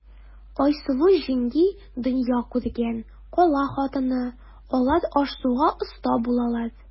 Айсылу җиңги дөнья күргән, кала хатыны, алар аш-суга оста булалар.